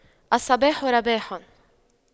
الصباح رباح